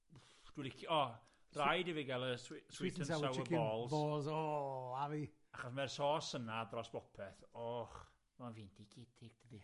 dwi lici- o, rhaid i fi ga'l y swee- sweet and sour balls sweet and sour chicken balls, o, a fi acho' ma'r sauce yna dros bopeth, och, ma'n fendigedig dydi?